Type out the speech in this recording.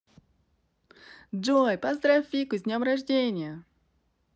джой поздравь вику с днем рождения